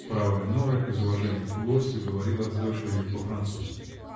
(Фрау Леноре, из уважения к гостю, говорила с дочерью по-французски.